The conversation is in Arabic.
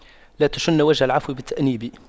لا تشن وجه العفو بالتأنيب